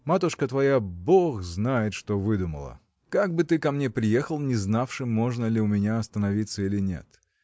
Матушка твоя бот знает что выдумала. Как бы ты ко мне приехал не знавши можно ли у меня остановиться или нет?